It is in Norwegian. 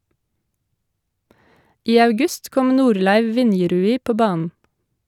I august kom Norleiv Vinjerui på banen.